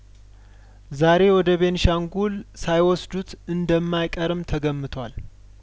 ዛሬ ወደ ቤንሻንጉል ሳይወስዱት እንደማይቀርም ተገምቷል